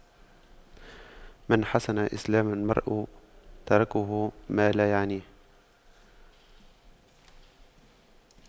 من حسن إسلام المرء تَرْكُهُ ما لا يعنيه